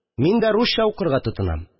Мин дә русча укырга тотынам